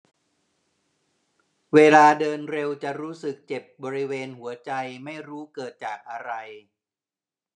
เวลาเดินเร็วจะรู้สึกเจ็บบริเวณหัวใจไม่รู้เกิดจากอะไร